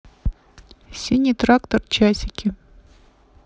синий трактор часики